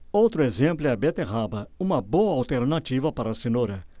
outro exemplo é a beterraba uma boa alternativa para a cenoura